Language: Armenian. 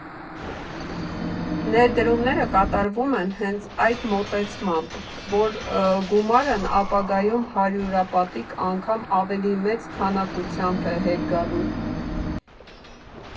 Ներդրումները կատարվում են հենց այդ մոտեցմամբ, որ գումարն ապագայում հարյուրապատիկ անգամ ավելի մեծ քանակությամբ է հետ գալու։